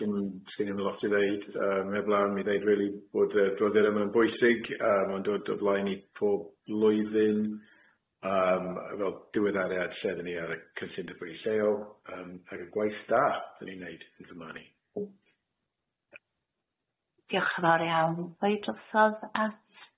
Sgin i 'm sgin i 'm lot i ddeud yym heblaw mi ddeud rili bod yy adroddiad yma'n bwysig yy ma'n dod o flaen 'i pob blwyddyn yym fel diweddariad lle oddan ni ar y cynllun datblygu lleol yym ag y gwaith da 'da ni'n neud yn fy marn i. Diolch yn fawr iawn ddoi drosodd at